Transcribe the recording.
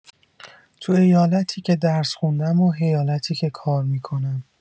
توی ایالتی که درس خوندم و ایالتی که کار می‌کنم